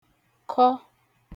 kọ